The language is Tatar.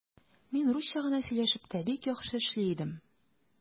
Мин русча гына сөйләшеп тә бик яхшы эшли идем.